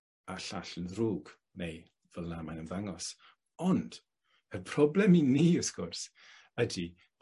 a llall yn ddrwg, neu fel 'na mae'n ymddangos. Ond, y problem i ni wrth gwrs ydi